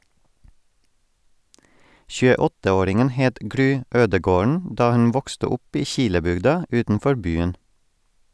28-åringen het Gry Ødegaarden da hun vokste opp i Kilebygda utenfor byen.